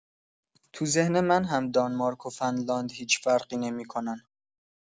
تو ذهن من هم دانمارک و فنلاند هیچ فرقی نمی‌کنن.